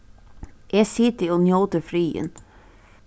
eg siti og njóti friðin